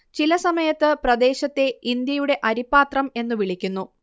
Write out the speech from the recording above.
ചിലസമയത്ത് പ്രദേശത്തെ ഇന്ത്യയുടെ അരിപ്പാത്രം എന്നു വിളിക്കുന്നു